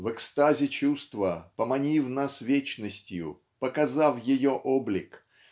в экстазе чувства поманив нас вечностью показав ее облик